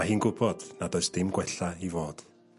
Mae hi'n gwbod nad oes dim gwella i fod.